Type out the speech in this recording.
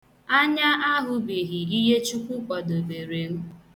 Anya ahụbeghi ihe Chukwu kwadobere m.